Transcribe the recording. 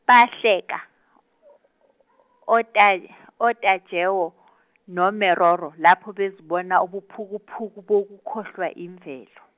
bahleka, oTaj- oTajewo noMeroro lapho bezibona ubuphukuphuku bokukhohlwa imvelo.